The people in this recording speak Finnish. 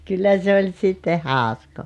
kyllä se oli sitten hauskaa